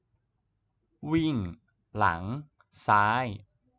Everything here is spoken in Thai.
วิ่งหลังซ้าย